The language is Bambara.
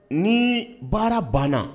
Ni baara banna